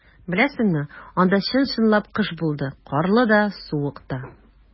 Беләсеңме, анда чын-чынлап кыш булды - карлы да, суык та.